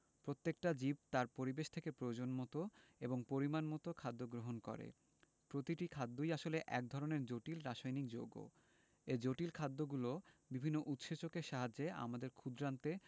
প্রত্যেকটা জীব তার পরিবেশ থেকে প্রয়োজনমতো এবং পরিমাণমতো খাদ্য গ্রহণ করে প্রতিটি খাদ্যই আসলে এক ধরনের জটিল রাসায়নিক যৌগ এ জটিল খাদ্যগুলো বিভিন্ন উৎসেচকের সাহায্যে আমাদের ক্ষুদ্রান্তে